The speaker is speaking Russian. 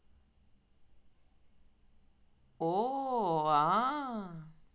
ооо а